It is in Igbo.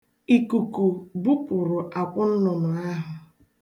Ikuku bupụrụ akwụ nnụnụ ahụ.